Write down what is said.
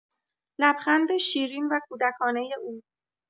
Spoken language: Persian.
لبخند شیرین و کودکانۀ او